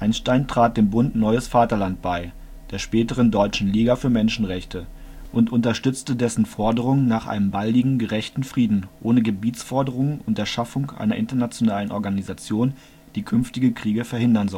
Einstein trat dem Bund Neues Vaterland bei (der späteren Deutschen Liga für Menschenrechte) und unterstützte dessen Forderungen nach einem baldigen, gerechten Frieden ohne Gebietsforderungen und der Schaffung einer internationalen Organisation, die künftige Kriege verhindern